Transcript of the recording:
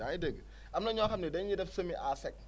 yaa ngi dégg am na ñoo xam ne dañuy def semis à sec